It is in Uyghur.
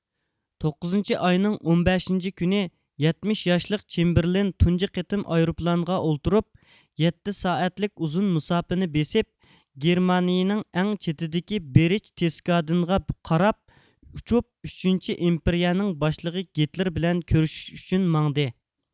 توققۇزىنچى ئاينىڭ ئون بەشىنچى كۈنى يەتمىش ياشلىق چېمبېرلېن تۇنجى قېتىم ئايروپىلانغا ئولتۇرۇپ يەتتە سائەتلىك ئۇزۇن مۇساپىنى بېسىپ گېرمانىيىنىڭ ئەڭ چېتىدىكى بېرچتېسگادېنغا قاراپ ئۇچۇپ ئۈچىنچى ئىمپېرىيە نىڭ باشلىقى گىتلېر بىلەن كۆرۈشۈش ئۈچۈن ماڭدى